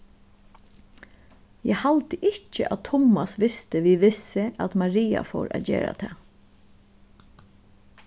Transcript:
eg haldi ikki at tummas visti við vissu at maria fór at gera tað